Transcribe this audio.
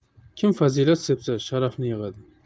kim fazilat sepsa sharafni yig'adi